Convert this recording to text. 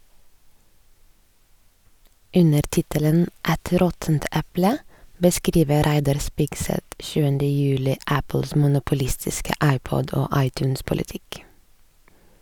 Under tittelen «Et råttent eple» beskriver Reidar Spigseth 7. juli Apples monopolistiske iPod- og iTunes-politikk.